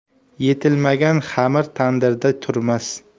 yetilmagan xamir tandirda turmas